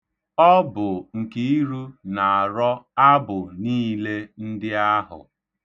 Ọ bụ Nkiru na-arọ abụ niile ndị ahụ.